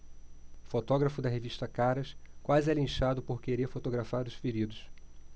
fotógrafo da revista caras quase é linchado por querer fotografar os feridos